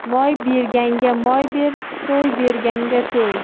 moy berganga moy ber toy berganga toy